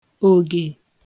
ògè